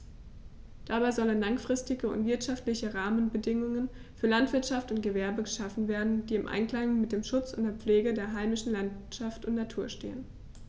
Dabei sollen langfristige und wirtschaftliche Rahmenbedingungen für Landwirtschaft und Gewerbe geschaffen werden, die im Einklang mit dem Schutz und der Pflege der heimischen Landschaft und Natur stehen.